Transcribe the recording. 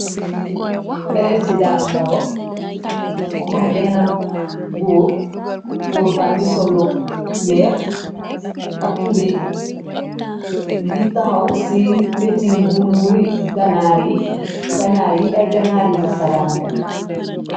Peresiden baro mo mag benn góur góur ba ngi sollu weex ak tubéy yu ngi taxaw ci weti ngunuuri ganaar yi ay ganaar yi nasaranglange.